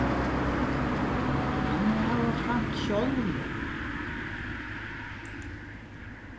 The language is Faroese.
hann má hava framt sjálvmorð